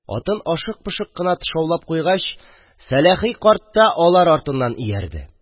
Атын ашык-пошык кына тышаулап куйгач, Сәләхи карт та алар артыннан иярде.